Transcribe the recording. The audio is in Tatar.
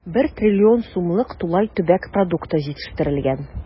1 трлн сумлык тулай төбәк продукты җитештерелгән.